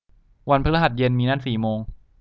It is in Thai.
วันพฤหัสเย็นมีนัดสี่โมง